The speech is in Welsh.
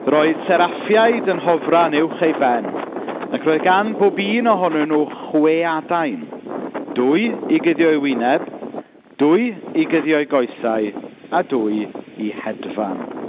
Roedd seraffiaid yn hofran uwch ei ben, ac roedd gan bob un ohonyn nhw chwe adain, dwy i guddio'i wyneb, dwy i guddio'i goesau, a dwy i hedfan.